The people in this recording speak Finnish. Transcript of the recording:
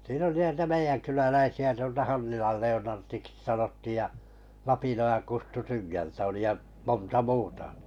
siinä oli niitä meidänkyläläisiä tuolta Hannilan Leonardiksi sanottiin ja Lapinojan Kustu Tyngältä oli ja monta muuta